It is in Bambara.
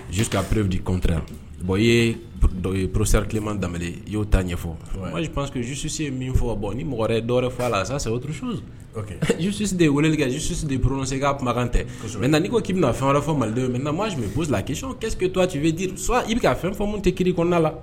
Ji ka purdi kɔnte bɔn i ye dɔw ye purssɛritiman daminɛ y'o ta ɲɛfɔsekesusi min fɔ bɔ ni mɔgɔ wɛrɛ dɔwɛrɛ'a la sisan se osususi de ye weele kɛjususi de porose ka kumakan tɛ mɛ na i ko k' bɛ na fɛn wɛrɛ fɔ mali mɛ na maa bisimila min k'iske to cife i bɛ fɛn fɔmu tɛ kiiriri kɔnɔnada la